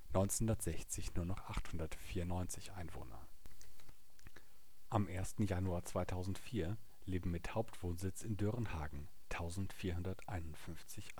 1960 nur noch 894 Einwohner. Am 1. Januar 2004 leben mit Hauptwohnsitz in Dörenhagen 1.451 Einwohner